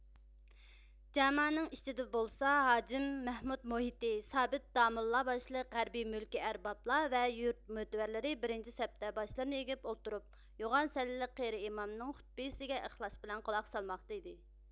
جامانىڭ ئىچىدە بولسا ھاجىم مەھمۇت مۇھىتى سابىت داموللا باشلىق ھەربىي مۈلكىي ئەربابلار ۋە يۇرت مۆتىۋەرلىرى بىرىنچى سەپتە باشلىرىنى ئېگىپ ئولتۇرۇپ يوغان سەللىلىك قېرى ئىمامنىڭ خۇتبىسىگە ئىخلاس بىلەن قۇلاق سالماقتا ئىدى